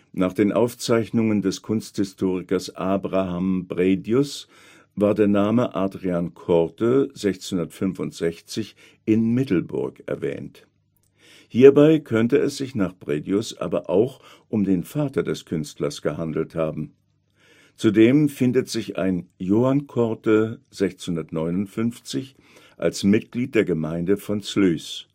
Nach den Aufzeichnungen des Kunsthistorikers Abraham Bredius war der Name Adriaen Coorte 1665 in Middelburg erwähnt. Hierbei könnte es sich nach Bredius aber auch um den Vater des Künstlers gehandelt haben. Zudem findet sich ein Johan Coorte 1659 als Mitglied der Gemeinde von Sluis